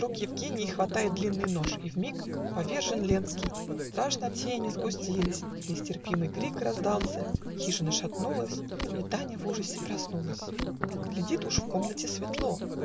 вдруг Евгений Хватает длинный нож, и вмиг Повержен Ленский страшно тени Сгустились нестерпимый крик Раздался. хижина шатнулась. И Таня в ужасе проснулась. Глядит, уж в комнате светло